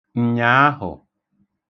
ǹnyàahụ̀